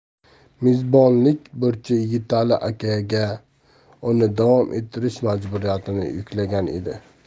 mezbonlik burchi yigitali akaga uni davom ettirish majburiyatini yuklagan edi